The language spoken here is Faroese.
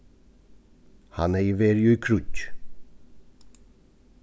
hann hevði verið í kríggj